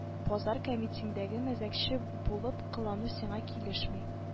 Базар кәмитеңдәге мәзәкче булып кылану сиңа килешми